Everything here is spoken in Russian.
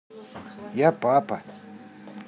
я папа